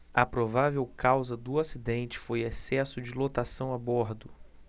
a provável causa do acidente foi excesso de lotação a bordo